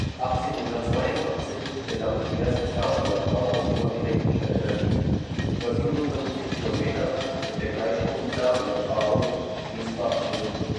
1882 gelang die erste Fernübertragung von elektrischer Energie über 57 km mit der Gleichstromfernübertragung Miesbach-München